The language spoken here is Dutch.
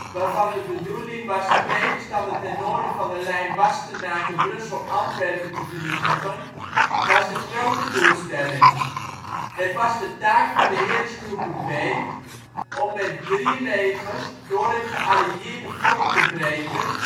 waarvan de bedoeling was de tegenstander ten noorden van de lijn Bastenaken-Brussel-Antwerpen te vernietigen, was de grote doelstelling. Het was de taak van de Heeresgruppe B om met drie legers door het geallieerde front te breken